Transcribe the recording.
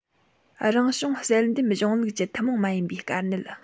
རང བྱུང བསལ འདེམས གཞུང ལུགས ཀྱི ཐུན མོང མ ཡིན པའི དཀའ གནད